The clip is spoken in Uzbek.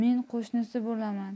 men qo'shnisi bo'laman